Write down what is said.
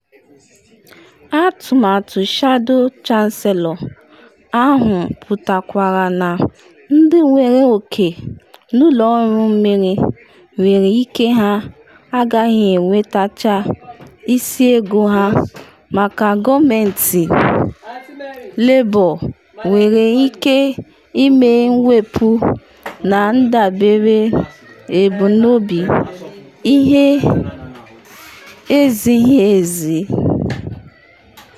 Atụmatụ shadow chancellor ahụ pụtakwara na ndị nwere oke n’ụlọ ọrụ mmiri nwere ike ha agaghị enwetacha isi ego ha, maka gọọmentị Labour nwere ike ‘ime mwepu’ na ndabere ebumnobi ihe ezighi ezi.